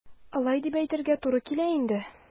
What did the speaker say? Алай дип әйтергә туры килә инде.